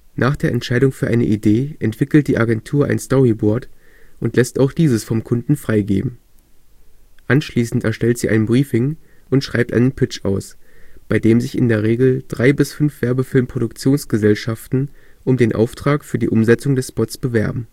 Nach der Entscheidung für eine Idee entwickelt die Agentur ein Storyboard und lässt auch dieses vom Kunden freigeben. Anschließend erstellt sie ein Briefing und schreibt einen Pitch aus, bei dem sich in der Regel drei bis fünf Werbefilmproduktionsgesellschaften um den Auftrag für die Umsetzung des Spots bewerben